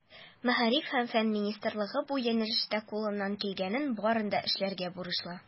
Мәгариф һәм фән министрлыгы бу юнәлештә кулыннан килгәннең барын да эшләргә бурычлы.